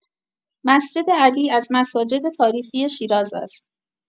مسجد علی از مساجد تاریخی شیراز است.